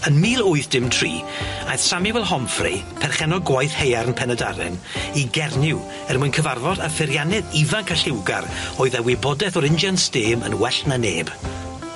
Ym mil wyth dim tri aeth Samuel Homfrey, perchennog gwaith haearn Penydarin i Gernyw er mwyn cyfarfod a pheiriannydd ifanc a lliwgar oedd â wybodaeth o'r injan stêm yn well na neb.